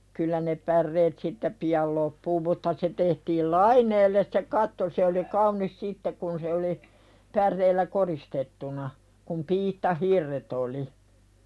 kyllä ne päreet siitä pian loppuu mutta se tehtiin laineelle se katto se oli kaunis sitten kun se oli päreillä koristettuna kun piittahirret oli